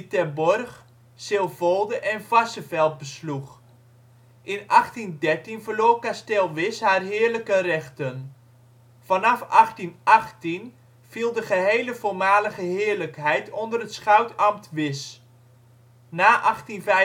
Terborg, Silvolde en Varsseveld besloeg. In 1813 verloor kasteel Wisch haar heerlijke rechten. Vanaf 1818 viel de gehele voormalige heerlijkheid onder het schoutambt Wisch. Na 1825